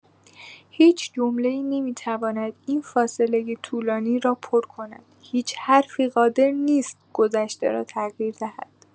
هیچ جمله‌ای نمی‌تواند این فاصلۀ طولانی را پر کند، هیچ حرفی قادر نیست گذشته را تغییر دهد.